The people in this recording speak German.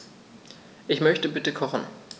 Ich möchte bitte kochen.